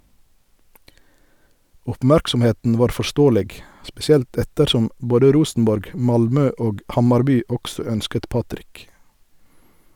Oppmerksomheten var forståelig , spesielt ettersom både Rosenborg, Malmö og Hammarby også ønsket Patrik.